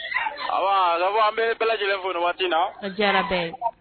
Ayiwa an bɛ bɛɛ lajɛlen fo waati la